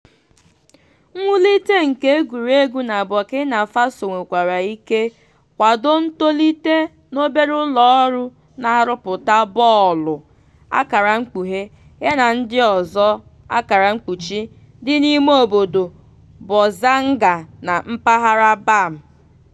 Mwulite nke egwuregwu na Burkina Faso nwekwara ike kwado ntolite n'obere ụlọọrụ na-arụpụta bọọlụ (ya na ndị ọzọ) dị n'imeobodo Bourzanga na mpaghara Bam.